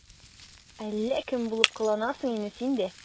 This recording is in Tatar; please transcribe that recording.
Әллә кем булып кыланасың инде син дә...